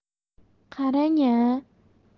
qarang a